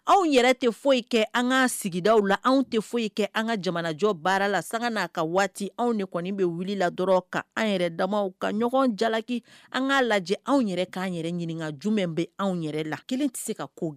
Anw yɛrɛ tɛ foyi kɛ an ka sigida la ,anw tɛ foyi kɛ an ka jamanajɔ baara la, sanga n'a ka waati anw de kɔni bɛ wulila dɔrɔn ka an yɛrɛ dama ka ɲɔgɔn jalaki an k'a lajɛ anw yɛrɛ k'an yɛrɛ ɲininka jumɛn bɛ anw yɛrɛ la kelen tɛ se ka ko